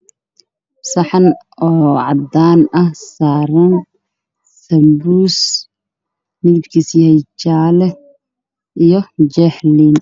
Waa saxan cadaan waxaa ku jira sambuus